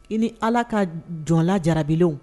I ni ala ka jɔnla jarabilaw